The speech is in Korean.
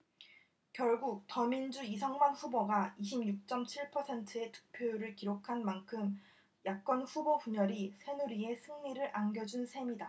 결국 더민주 이성만 후보가 이십 육 쩜 칠 퍼센트의 득표율을 기록한 만큼 야권 후보 분열이 새누리에 승리를 안겨준 셈이다